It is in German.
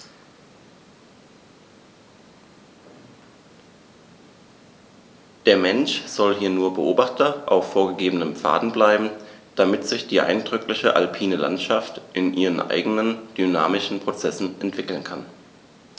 Der Mensch soll hier nur Beobachter auf vorgegebenen Pfaden bleiben, damit sich die eindrückliche alpine Landschaft in ihren eigenen dynamischen Prozessen entwickeln kann.